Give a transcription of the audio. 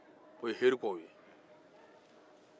o ye heri kɔw ye